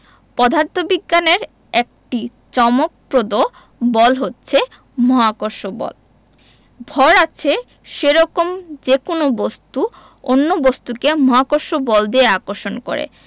পদার্থবিজ্ঞানের একটি চমকপ্রদ বল হচ্ছে মহাকর্ষ বল ভর আছে সেরকম যেকোনো বস্তু অন্য বস্তুকে মহাকর্ষ বল দিয়ে আকর্ষণ করে